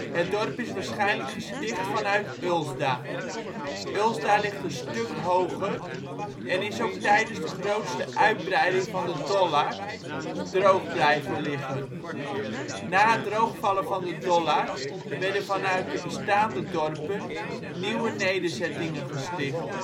Het dorp is waarschijnlijk gesticht vanuit Ulsda. Ulsda ligt een stuk hoger, en is ook tijdens de grootste uitbreiding van de Dollard droog blijven liggen. Na het droogvallen van de Dollard werden vanuit de bestaande dorpen nieuwe nederzettingen gesticht